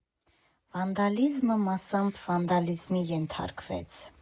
Վանդալիզմը մասամբ վանդալիզմի ենթարկվեց.